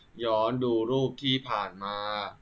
ย้อนดูรูปที่ผ่านมา